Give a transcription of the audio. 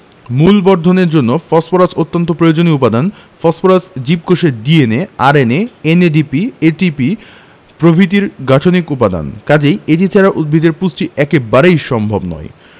মূল বর্ধনের জন্য ফসফরাস অত্যন্ত প্রয়োজনীয় উপাদান ফসফরাস জীবকোষের DNA RNA NADP ATP প্রভৃতির গাঠনিক উপাদান কাজেই এটি ছাড়া উদ্ভিদের পুষ্টি একেবারেই সম্ভব নয়